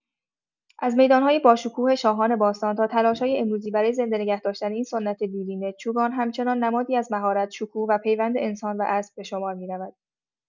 از میدان‌های باشکوه شاهان باستان تا تلاش‌های امروزی برای زنده نگه‌داشتن این سنت دیرینه، چوگان همچنان نمادی از مهارت، شکوه، و پیوند انسان و اسب به شمار می‌رود.